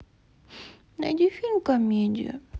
найди фильм комедию